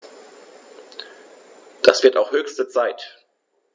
Das wird auch höchste Zeit!